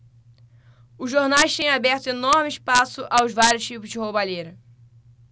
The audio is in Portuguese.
os jornais têm aberto enorme espaço aos vários tipos de roubalheira